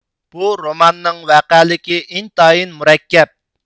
بۇ روماننىڭ ۋەقەلىكى ئىنتايىن مۇرەككەپ